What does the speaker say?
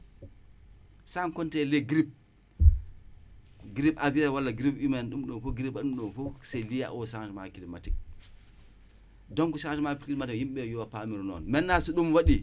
sans compter les grippes grippe aviares wala grippe humaine c' est lié au changement climatique donc changement climatique maintenant